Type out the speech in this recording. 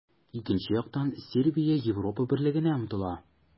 Икенче яктан, Сербия Европа Берлегенә омтыла.